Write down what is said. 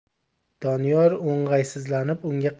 doniyor o'ng'aysizlanib unga